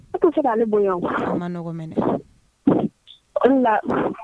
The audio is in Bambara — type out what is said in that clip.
I tɛ se ka bonyayan ma nɔgɔ mɛnɛ an